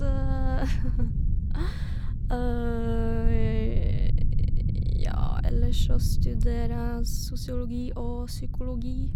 Ja, ellers så studerer jeg sosiologi og psykologi.